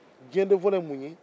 diɲɛ den fɔlɔ ye mun ye